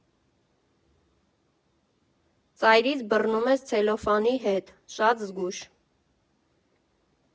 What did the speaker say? Ծայրից բռնում ես ցելոֆանի հետ, շատ զգույշ։